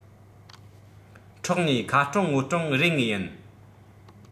འཕྲོག ནས ཁ སྐྲང ངོ སྐྲང རེད ངེས ཡིན